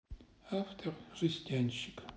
автор жестянщик